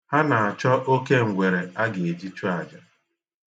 Ha na-achọ oke ngwere a ga-eji chụ aja.